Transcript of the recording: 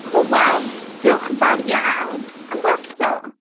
Cwl wel diolch yn fawr iawn am gwrando.